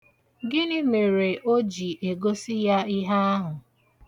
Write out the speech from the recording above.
Gịnị mere o ji egosi ya ihe ahụ?